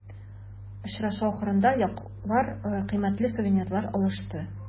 Очрашу ахырында яклар кыйммәтле сувенирлар алышты.